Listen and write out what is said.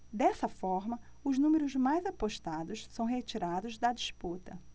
dessa forma os números mais apostados são retirados da disputa